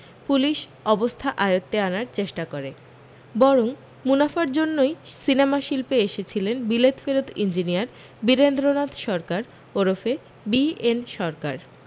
police অবস্থা আয়ত্তে আনার চেষ্টা করে বরং মুনাফার জন্যই সিনেমাশিল্পে এসেছিলেন বিলেত ফেরত ইঞ্জিনিয়ার বীরেন্দ্রনাথ সরকার ওরফে বিএন সরকার